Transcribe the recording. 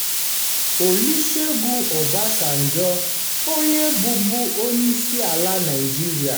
Olusegun Obasanjo, onye bụbu Onyeisiala Naịjirịa.